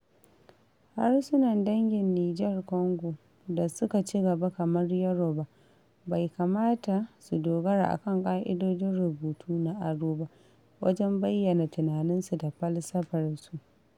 Harsunan dangin Niger-Congo da suka ci-gaba kamar Yoruba bai kamata su dogara a kan ƙa'idojin rubutu na aro ba wajen bayyana tunaninsu da falsafarsu.